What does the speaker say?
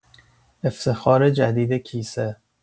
افتخار جدید کیسه